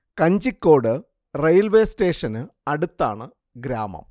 Kanjikode railway സ്റ്റേഷന് അടുത്താണ് ഗ്രാമം